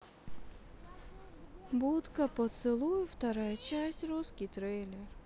будка поцелуев вторая часть русский трейлер